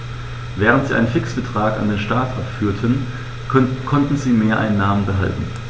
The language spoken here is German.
Während sie einen Fixbetrag an den Staat abführten, konnten sie Mehreinnahmen behalten.